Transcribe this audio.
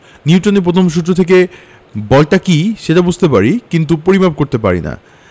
নিউটনের প্রথম সূত্র থেকে বলটা কী সেটা বুঝতে পারি কিন্তু পরিমাপ করতে পারি না